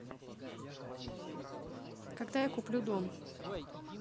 когда я куплю дом